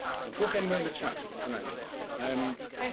Ond rhowch enwau yn y chat beth bynnag. Yym.